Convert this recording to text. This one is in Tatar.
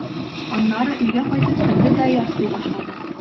Аннары өйгә кайтып керде дә ярсый башлады.